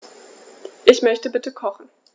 Ich möchte bitte kochen.